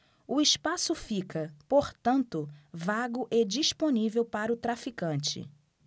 o espaço fica portanto vago e disponível para o traficante